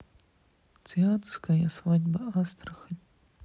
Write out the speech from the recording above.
цыганская свадьба астрахань